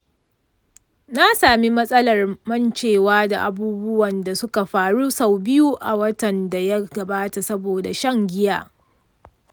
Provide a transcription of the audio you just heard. na sami matsalar mancewa da abubuwan da suka faru sau biyu a watan da ya gabata saboda shan giya.